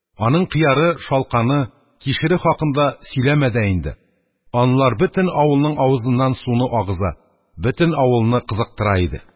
Аның кыяры, шалканы, кишере хакында сөйләмә дә инде – анлар бөтен авылның авызыннан суыны агыза, бөтен авылны кызыктыра иде.